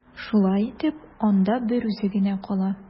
Шулай итеп, анда берүзе генә кала.